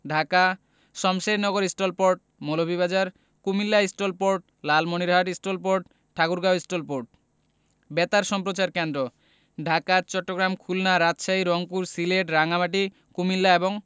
Dhaka Shamshernagar STOL port Moulvibazar Comilla STOL port Lalmonirhat STOL port Thakurgaon STOL port বেতার সম্প্রচার কেন্দ্রঃ ঢাকা চট্টগ্রাম খুলনা রাজশাহী রংপুর সিলেট রাঙ্গামাটি কুমিল্লা এবং